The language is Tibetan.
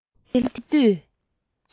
དྲི བ འདི སླེབས དུས